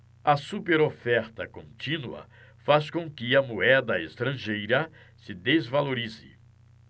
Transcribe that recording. a superoferta contínua faz com que a moeda estrangeira se desvalorize